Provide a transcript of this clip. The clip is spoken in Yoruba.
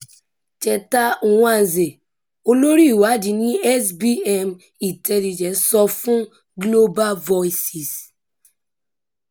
Cheta Nwanze, Olórí Ìwádìí ní SBM Intelligence sọ fún Globa Voices: